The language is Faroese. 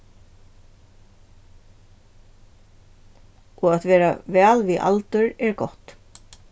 og at vera væl við aldur er gott